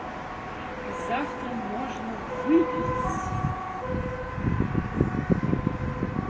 завтра можно выпить